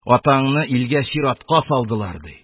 Атаңны илгә чиратка салдылар... -ди.